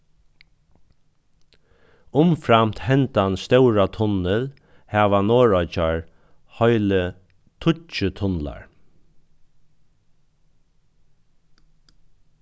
umframt hendan stóra tunnil hava norðuroyggjar heili tíggju tunlar